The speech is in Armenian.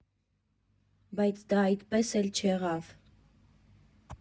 Բայց դա այդպես էլ չեղավ։